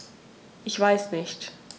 Ich weiß nicht.